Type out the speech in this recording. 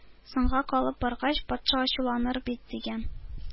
Соңга калып баргач, патша ачуланыр бит! — дигән.